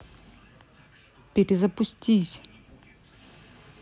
перезапустись